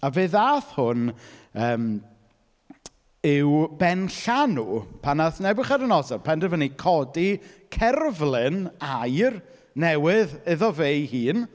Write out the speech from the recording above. A fe ddaeth hwn, yym, i'w benllanw pan wnaeth Nebiwchadynosor, penderfynu codi cerflun aur, newydd iddo fe ei hun.